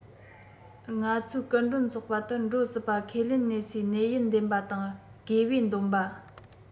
ང ཚོའི སྐུ མགྲོན ཚོགས པ དུ འགྲོ སྲིད པ ཁས ལེན གནས སའི གནས ཡུལ འདེམས པ དང དགེ བེད འདོན པ